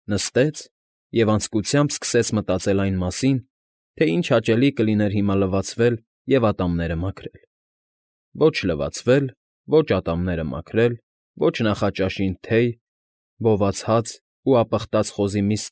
Նստեց և անձկությամբ սկսեց մտածել այն մասին, թե ինչ հաճելի կլիներ հիմա լվացվել և ատամները մաքրել… Ո՛չ լվացվել, ո՛չ ատամերը մաքրել, ո՛չ նախաճաշին թեյ, բոված հաց ու ապխտած խոզի միս։